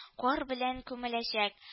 Кар белән күмеләчәк